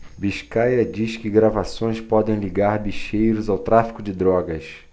biscaia diz que gravações podem ligar bicheiros ao tráfico de drogas